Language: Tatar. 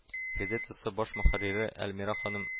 Газетасы баш мөхәррире әлмирә ханым